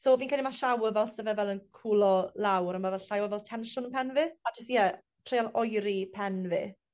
So fi'n credu ma' shower fel sa fe fel yn cwlo lawr a ma' fel llai o fel tensiwn yn pen fi a jys ie treil oeri pen fi.